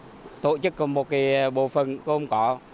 tổ chức có một cái bộ phận gồm có